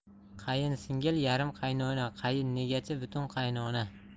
qayinsingil yarim qaynona qaynegachi butun qaynona